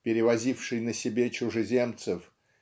перевозивший на себе чужеземцев